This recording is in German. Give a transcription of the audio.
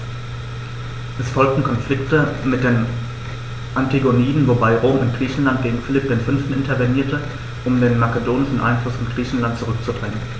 Es folgten Konflikte mit den Antigoniden, wobei Rom in Griechenland gegen Philipp V. intervenierte, um den makedonischen Einfluss in Griechenland zurückzudrängen.